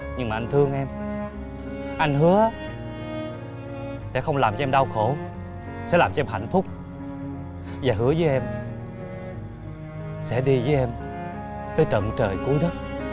nhưng anh thương em anh hứa sẽ không làm cho em đau khổ sẽ làm cho em hạnh phúc và hứa với em sẽ đi với em tới tận trời cuối đất